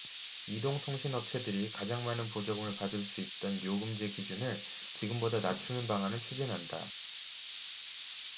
이동통신업체들이 가장 많은 보조금을 받을 수 있던 요금제 기준을 지금보다 낮추는 방안을 추진한다